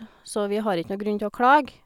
Så vi har itj noe grunn til å klage.